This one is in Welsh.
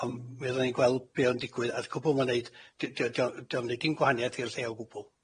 On' mi oddan ni'n gweld be' o'n digwydd, a'r cwbwl ma'n neud di- dio- dio'm neud dim gwahanieth i'r lle o gwbwl.